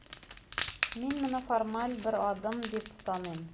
Мин моны формаль бер адым дип саныйм.